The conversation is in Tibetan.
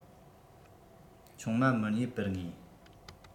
ཆུང མ མི རྙེད པར ངེས